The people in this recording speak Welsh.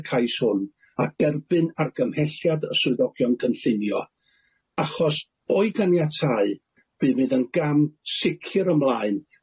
y cais hwn a derbyn argymhelliad y swyddogion cynllunio achos o'i ganiatáu mi fydd yn gam sicir ymlaen